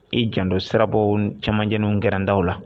E janto sirabɔ camanɛnw kɛrarɛnda la